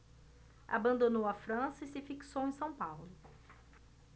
abandonou a frança e se fixou em são paulo